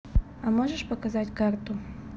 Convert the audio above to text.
а можешь показать карту